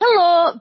Helo...